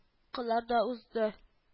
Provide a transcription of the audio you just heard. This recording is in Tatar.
Кылар да узды